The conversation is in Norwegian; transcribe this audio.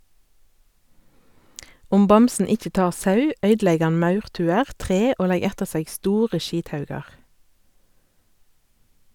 Om bamsen ikkje tar sau, øydelegg han maurtuer, tre og legg etter seg store skithaugar.